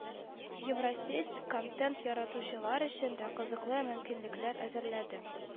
“евросеть” контент яратучылар өчен дә кызыклы мөмкинлекләр әзерләде